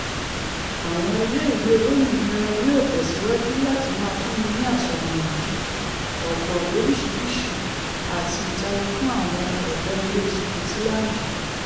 Àwọn ilé ìwé olómìnira yóò tẹ̀síwájú láti máa fúnni ní àṣàyàn yìí, ọ̀pọ̀ lóríṣiríṣi àti ìtayọ fún àwọn ọ̀dọ́ ilẹ̀ Sikotilandi.